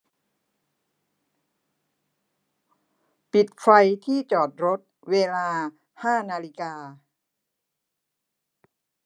ปิดไฟที่จอดรถเวลาห้านาฬิกา